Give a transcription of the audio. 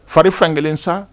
Fari fankelen sa